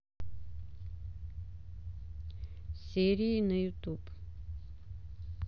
серии на ютуб